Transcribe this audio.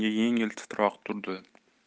yengil titroq turdi